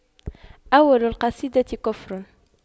أول القصيدة كفر